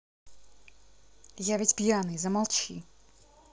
я ведь пьяный замолчи